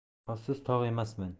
afsus tog' emasman